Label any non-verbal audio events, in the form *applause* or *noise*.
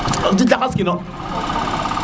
*smacks lips* jaxas kino